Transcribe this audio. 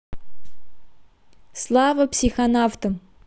слава психонавтам